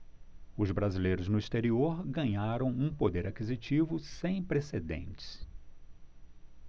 os brasileiros no exterior ganharam um poder aquisitivo sem precedentes